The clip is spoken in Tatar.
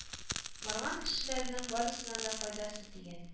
Барган кешеләрнең барысына да файдасы тигән